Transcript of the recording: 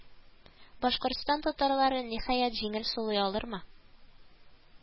Башкортстан татарлары, ниһаять, җиңел сулый алырмы